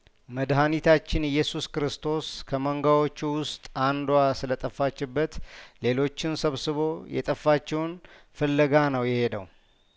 መድሀኒታችን እየሱስ ክርስቶስ ከመንጋዎቹ ውስጥ አንዷ ስለጠፋችበት ሌሎችን ሰብስቦ የጠፋችውን ፍለጋ ነው የሄደው